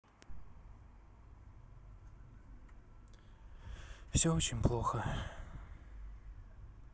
все очень плохо